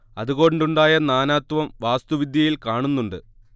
അതുകൊണ്ടുണ്ടായ നാനാത്വം വാസ്തുവിദ്യയിൽ കാണുന്നുണ്ട്